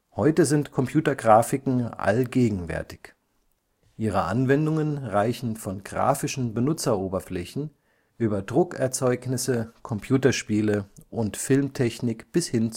Heute sind Computergrafiken allgegenwärtig; ihre Anwendungen reichen von grafischen Benutzeroberflächen über Druckerzeugnisse, Computerspiele und Filmtechnik bis hin